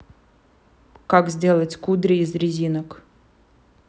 как сделать кудри из резинок